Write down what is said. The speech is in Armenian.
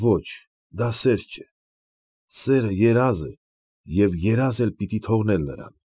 Ոչ, դա սեր չէ։ Սերը երազ է և երազ էլ պիտի թողնել նրան։